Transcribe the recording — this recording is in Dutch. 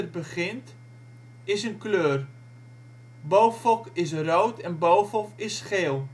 begint, is een kleur: bofoc is rood en bofof is geel